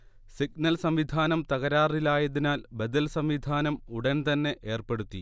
signal സംവിധാനം തകരാറിലായതിനാൽ ബദൽ സംവിധാനം ഉടൻ തന്നെ ഏർപ്പെടുത്തി